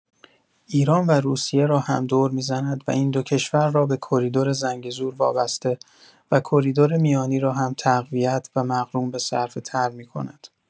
ایران و روسیه را هم دور می‌زند و این دو کشور را به کریدور زنگزور وابسته و کریدور میانی را هم تقویت و مقرون‌به‌صرفه‌تر می‌کند.